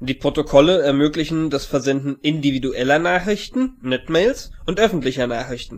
Die Protokolle ermöglichen das Versenden individueller (Netmails) und öffentlicher (Echomails) Nachrichten